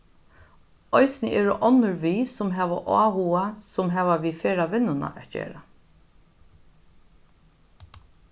eisini eru onnur við sum hava áhuga sum hava við ferðavinnuna at gera